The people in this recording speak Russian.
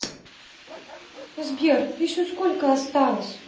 сбер еще сколько осталось